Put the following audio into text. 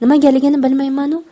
nimagaligini bilmaymanu